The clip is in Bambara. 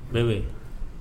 Bɛbɛ!